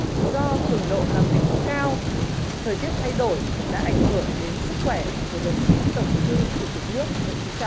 do cường độ làm việc cao thời tiết thay đổi đã ảnh hưởng đến sức khỏe của đồng chí tổng bí thư chủ tịch nước nguyễn phú trọng